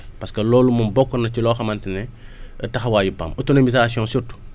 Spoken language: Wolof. parce que loolu moom bokk na ci loo xamante ne taxawaayu PAM autonomisation surtout